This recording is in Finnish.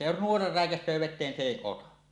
se jos nuora räikäisee veteen se ei ota